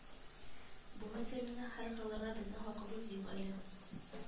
Бу мәсьәләне хәл кылырга безнең хакыбыз юк әле